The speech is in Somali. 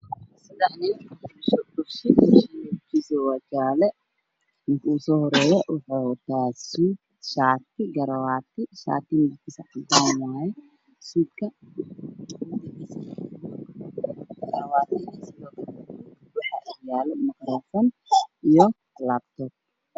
Waxa ay muuqdaa saddex nin laba nin waxay wataan suudad iyo garwaatii midabkoodu yahay buluug iyo nin kale oo wata khamiis iyo koofi ya